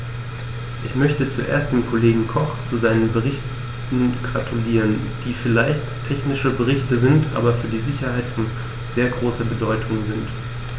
Ich möchte zuerst dem Kollegen Koch zu seinen Berichten gratulieren, die vielleicht technische Berichte sind, aber für die Sicherheit von sehr großer Bedeutung sind.